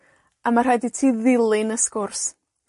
A ma' rhaid i ti ddilyn y sgwrs.